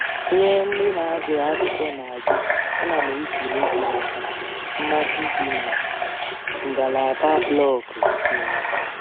Nye ndị na-agụ akwụkwọ na gị, ana m ekele gị maka mmasị gị na ngaalaba blọọgụ Guinea.